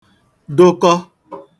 dụkọ